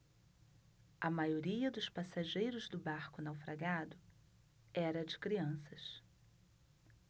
a maioria dos passageiros do barco naufragado era de crianças